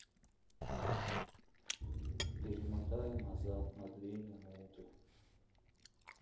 перемотай назад на две минуты